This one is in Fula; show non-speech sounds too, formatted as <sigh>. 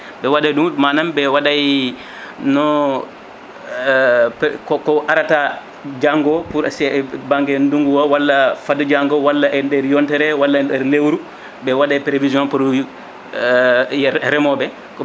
ɓe waɗa ɗum maname ɓe waɗay no <hesitation> ko arata janggo pour essayer banggue ndungu o walla faaɓi janggo walla e nder yontere walla e nder lewru ɓe waɗe prévision pour <hesitation> reemoɓe